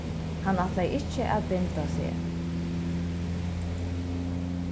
hann ætlaði ikki at binda seg